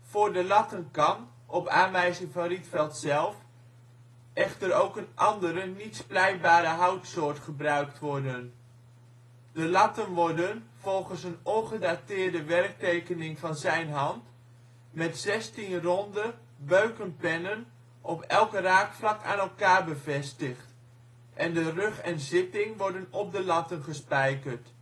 Voor de latten kan, op aanwijzing van Rietveld zelf, echter ook een andere niet-splijtbare houtsoort gebruikt worden. De latten worden, volgens een ongedateerde werktekening van zijn hand, met 16 ronde, beuken pennen op elk raakvlak aan elkaar bevestigd, en ‘de rug en zitting worden op de latten gespijkerd